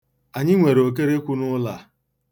Anyị nwere okerekwu n'ụlọ a [figurative].